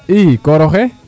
i kor oxe